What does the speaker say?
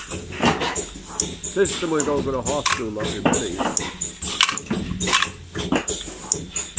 systir mín gongur á háskúla í berlin